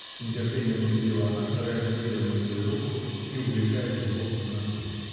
— с нетерпением перебила она, стараясь выдернуть свою руку и увлекая его в темноту.